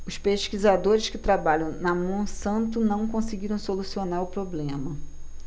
os pesquisadores que trabalham na monsanto não conseguiram solucionar o problema